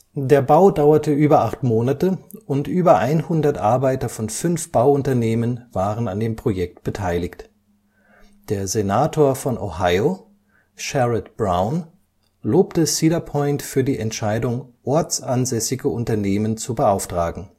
Der Bau dauerte über acht Monate und über 100 Arbeiter von fünf Bauunternehmen waren an dem Projekt beteiligt. Der Senator von Ohio, Sherrod Brown, lobte Cedar Point für die Entscheidung, ortsansässige Unternehmen zu beauftragen